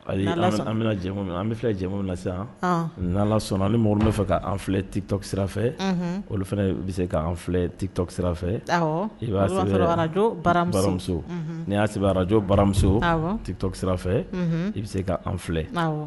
Ayi ala an bɛna jɛ min an bɛ filɛ jamu min na sisan sɔnna ni mori bɛ fɛ' filɛ sira fɛ olu fana i bɛ sean filɛ sira i'j bara baramuso n'i y'a se arajo baramuso sira i bɛ se kaan filɛ